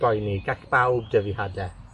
boeni. Gall bawb dyfu hade.